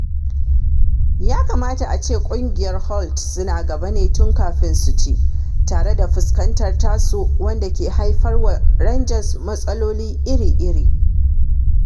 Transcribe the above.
Ya kamata a ce ƙungiyar Holt suna gaba ne tun kafin su ci, tare da fuskantar tasu wanda ke haifar wa Rangers matsaloli iri-iri.